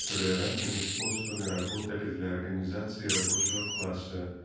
которые разными способами работали для организации рабочего класса